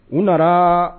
U nana